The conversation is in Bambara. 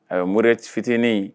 Ayiwa mori fitini